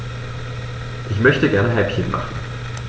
Ich möchte gerne Häppchen machen.